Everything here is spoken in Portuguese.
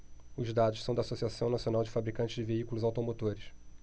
os dados são da anfavea associação nacional dos fabricantes de veículos automotores